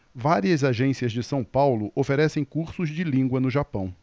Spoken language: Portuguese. várias agências de são paulo oferecem cursos de língua no japão